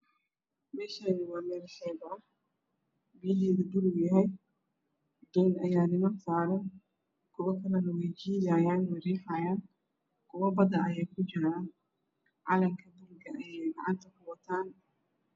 Meeshaani waa meel xeeb ah biyaheedu bulug yahay doon ayaa niman saaran kuwa kalana way jiidaayan way riixaayan kuwa bada ayeey kujiraan calanka buluuga ayeey gacanta kuwataan